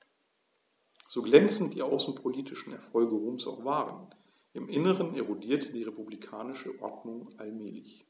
So glänzend die außenpolitischen Erfolge Roms auch waren: Im Inneren erodierte die republikanische Ordnung allmählich.